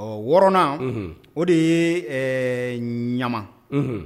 Ɔ wɔɔrɔnan o de ye ɲa